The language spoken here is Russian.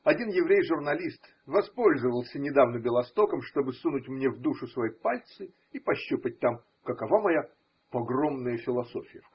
Один еврей-журналист воспользовался недавно Бе-лостоком, чтобы сунуть мне в душу свои пальцы и пощупать там, какова моя погромная философия.